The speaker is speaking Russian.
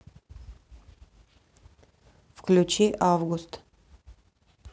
включи август